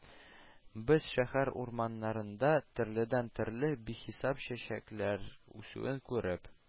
Без шәһәр урамнарында төрледән-төрле бихисап чәчәкләр үсүен күреп